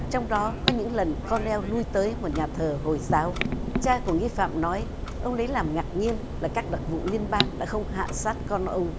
trong đó có những lần con neo lui tới một nhà thờ hồi giáo cha của nghi phạm nói ông lấy làm ngạc nhiên là các đặc vụ liên bang đã không hạ sát con ông